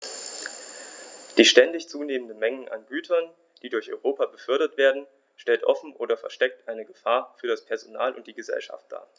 Die ständig zunehmende Menge an Gütern, die durch Europa befördert werden, stellt offen oder versteckt eine Gefahr für das Personal und die Gesellschaft dar.